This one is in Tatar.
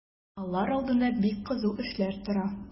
Алар алдында бик кызу эшләр тора.